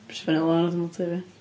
Jyst fyny lôn wrth yml tŷ fi.